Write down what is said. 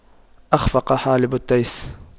أَخْفَقَ حالب التيس